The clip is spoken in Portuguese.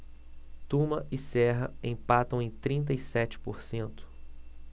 tuma e serra empatam em trinta e sete por cento